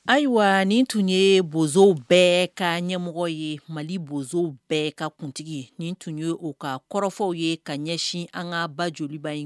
Ayiwa nin tun ye bozo bɛɛ ka ɲɛmɔgɔ ye mali bozo bɛɛ ka kuntigi nin tun ye o ka kɔrɔfɔw ye ka ɲɛsin an ka ba joliba in